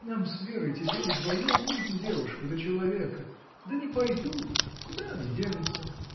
Нам с Верой теперь вдвоем нужно девушку да человека. Да не пойдут! Куда они денутся?